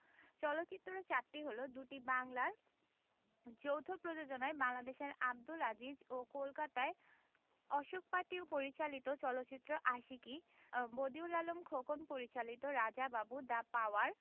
চলচ্চিত্র চারটি হলো দুটি বাংলার যৌথ প্রযোজনায় বাংলাদেশের আবদুল আজিজ ও কলকাতায় অশোক পাতি পরিচালিত চলচ্চিত্র আশিকী বদিউল আলম খোকন পরিচালিত রাজা বাবু দ্যা পাওয়ার